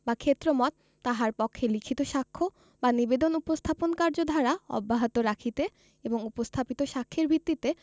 বা ক্ষেত্রমত তাহার পক্ষে লিখিত সাক্ষ্য বা নিবেদন উপস্থাপন কার্যধারা অব্যাহত রাখিতে এবং উপস্থাপিত সাক্ষ্যের ভিত্তিতে